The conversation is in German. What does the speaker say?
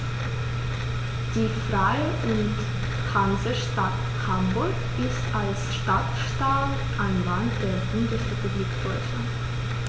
Die Freie und Hansestadt Hamburg ist als Stadtstaat ein Land der Bundesrepublik Deutschland.